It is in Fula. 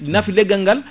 nafi leggal ngal